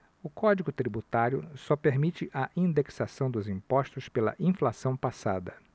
o código tributário só permite a indexação dos impostos pela inflação passada